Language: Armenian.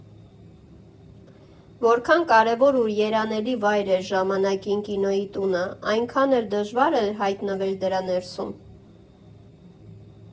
Որքան կարևոր ու երանելի վայր էր ժամանակին Կինոյի տունը, այնքան էլ դժվար էր հայտնվել դրա ներսում։